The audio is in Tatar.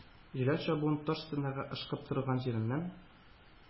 Җилән чабуын таш стенага ышкып торган җиреннән